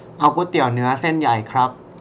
เอาก๋วยเตี๋ยวเนื้อเส้นใหญ่ครับ